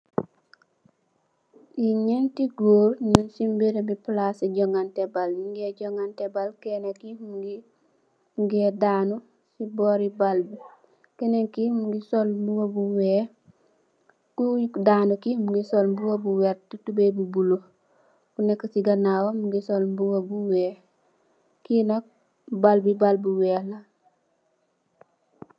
Fi neenti goor nyun si berembi palaci jogantex baal nunge jugante baal mongi moge danu si bori baal kenen ki mongi sol mbuba bu weex ku danu ki mongi sol mbuba bu werta tubai bu bulu ko neka si ganaw mongi sol mbuba bu weex fi nak baal bi baal bu weex la.